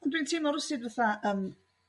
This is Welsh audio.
Ond dwi'n teimlo r'wsut fatha yym